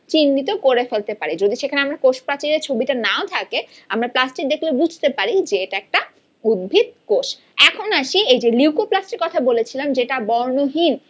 চিহ্নিত করে ফেলতে পারি যদি সেখানে আমরা কোষ প্রাচীরের ছবি টা নাও থাকে আমরা প্লাস্টিক দেখে বুঝতে পারি যে এটা একটা উদ্ভিদ কোষ এখন আসি এই যে লিউকোপ্লাস্টের কথা বলেছিলাম যেটা বর্ণহীন